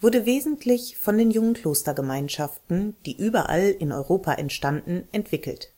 wurde wesentlich von den jungen Klostergemeinschaften, die überall in Europa entstanden, entwickelt,